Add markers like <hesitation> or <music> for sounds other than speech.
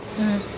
<hesitation>